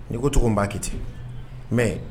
Ni ko cogo n b'a kɛ ten mɛ